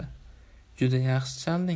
juda yaxshi chalding